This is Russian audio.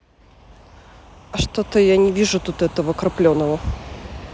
а что то я тут не вижу этого крапленого